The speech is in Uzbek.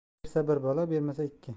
bersa bir balo bermasa ikki